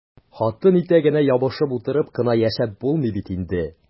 Хатын итәгенә ябышып утырып кына яшәп булмый бит инде!